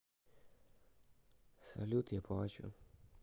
салют я плачу